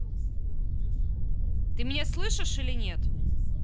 ты меня слышишь или нет